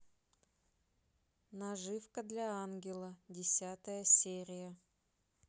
наживка для ангела десятая серия